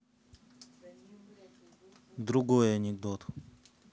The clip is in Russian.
другой анекдот